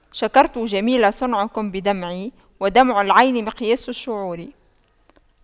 شكرت جميل صنعكم بدمعي ودمع العين مقياس الشعور